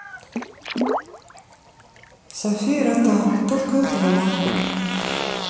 софия ротару только этого мало